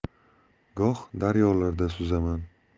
goh daryolarda suzaman